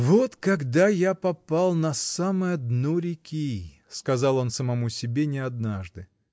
"Вот когда я попал на самое дно реки", -- сказал он самому себе не однажды.